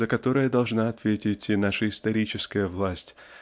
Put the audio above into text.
за которое должна ответить и наша историческая власть